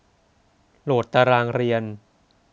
โหลดตารางเรียน